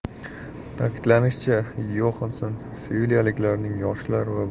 ta'kidlanishicha yohansson sevilyaliklarning yoshlar